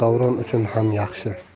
davron uchun ham yaxshi